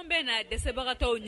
An bɛna na dɛsɛsebagatɔw ɲɛ